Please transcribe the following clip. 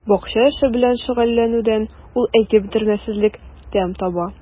Бакча эше белән шөгыльләнүдән ул әйтеп бетергесез тәм таба.